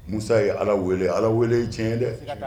Musa ye Ala wele Ala wele ye tiɲɛ dɛ, anhan.